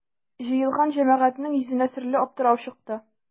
Җыелган җәмәгатьнең йөзенә серле аптырау чыкты.